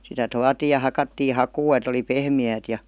sitä tuotiin ja hakattiin hakua että oli pehmeää ja